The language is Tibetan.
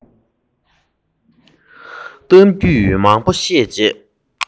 གཏམ རྒྱུད མང པོ བཤད རྗེས